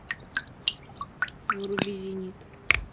вруби зенит